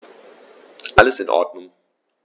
Alles in Ordnung.